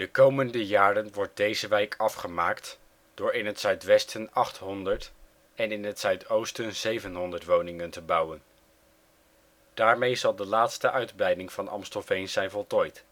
komende jaren wordt deze wijk afgemaakt door in het zuidwesten 800 en in het zuidoosten 700 woningen te bouwen. Daarmee zal de laatste uitbreiding van Amstelveen zijn voltooid